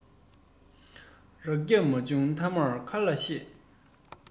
རགས རྒྱག མ བྱུང མཐའ མར མཁར ལ གཤེད